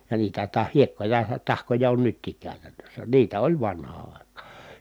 ja niitä - hiekkoja tahkoja on nytkin käytännössä niitä oli vanhaan aikaan